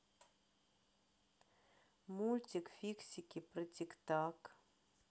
мультик фиксики про тик так